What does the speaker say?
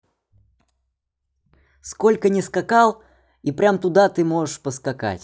сколько не скакал и прям туда ты можешь поскакать